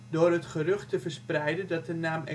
door het gerucht te verspreiden dat de naam